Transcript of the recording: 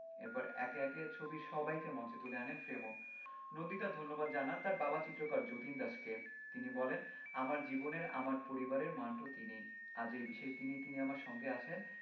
এরপর একে একে ছবির সবাইকে মঞ্চে তুলে আনেন ফ্রেমো নন্দিতা ধন্যবাদ জানান তার বাবা চিত্রকর যতীন দাসকে তিনি বলেন আমার জীবনের আমার পরিবারের মান্টো তিনি আজ এই বিশেষ দিনে তিনি আমার সঙ্গে আছেন